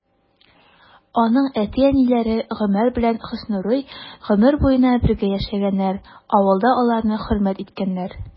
Аның әти-әниләре Гомәр белән Хөснурый гомер буена бергә яшәгәннәр, авылда аларны хөрмәт иткәннәр.